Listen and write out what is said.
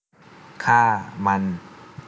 ฆ่ามัน